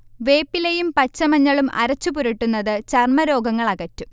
വേപ്പിലയും പച്ചമഞ്ഞളും അരച്ചു പുരട്ടുന്നത് ചർമ രോഗങ്ങളകറ്റും